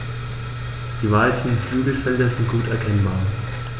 Die weißen Flügelfelder sind gut erkennbar.